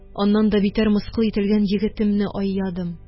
Аннан да битәр мыскыл ителгән егетемне айадым